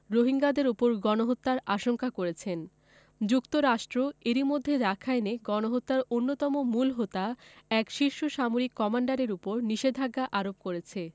রোহিঙ্গাদের ওপর গণহত্যার আশঙ্কা করেছেন যুক্তরাষ্ট্র এরই মধ্যে রাখাইনে গণহত্যার অন্যতম মূল হোতা এক শীর্ষ সামরিক কমান্ডারের ওপর নিষেধাজ্ঞা আরোপ করেছে